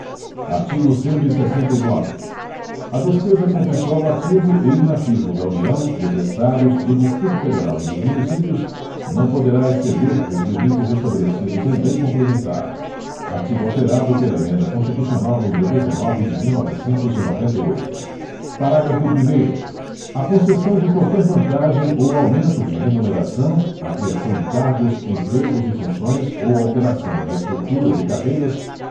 artigo cento e sessenta e nove a despesa com pessoal ativo e inativo da união dos estados do distrito federal e dos municípios não poderá exceder os limites estabelecidos em lei complementar artigo alterado pela emenda constitucional número dezenove de mil novecentos e noventa e oito parágrafo primeiro a concessão de qualquer vantagem ou aumento de remuneração a criação de cargos empregos e funções ou alteração de estrutura de carreiras